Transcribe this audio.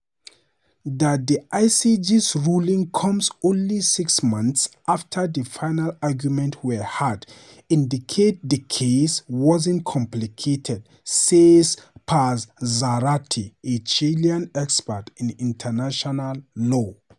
That the ICJ's ruling comes only six months after the final arguments were heard indicates the case "wasn't complicated," said Paz Zárate, a Chilean expert in international law.